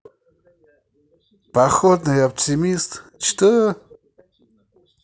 походный оптимист что